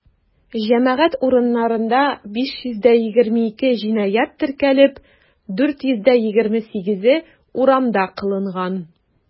Җәмәгать урыннарында 522 җинаять теркәлеп, 428-е урамда кылынган.